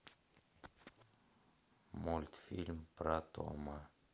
мультфильм про тома